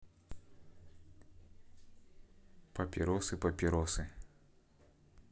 папиросы папиросы